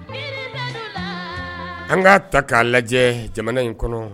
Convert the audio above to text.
An k'a ta k'a lajɛ jamana in kɔnɔ